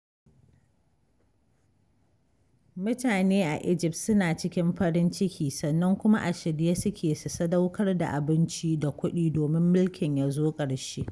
HB_1_2011: 618:mutane a Egyth suna cikin farin ciki sannan kuma a shirye suke su sadaukar da abinci da kuɗi domin mulkin ya zo ƙarshe#jan25#egypt.